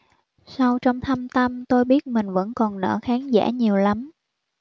sâu trong thâm tâm tôi biết mình vẫn còn nợ khán giả nhiều lắm